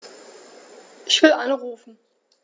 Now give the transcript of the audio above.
Ich will anrufen.